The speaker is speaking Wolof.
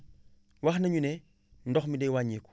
wax nañu ne ndox mi day wàññeeku